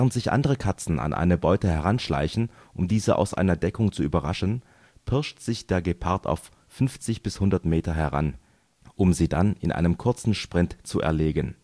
sich andere Katzen an eine Beute heranschleichen, um diese aus einer Deckung zu überraschen, pirscht sich der Gepard auf 50-100 m heran, um sie dann in einem kurzen Sprint zu erlegen